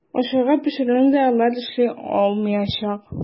Ашарга пешерүне дә алар эшли алмаячак.